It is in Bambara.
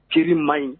Jiri man ɲi